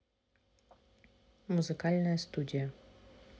музыкальные студия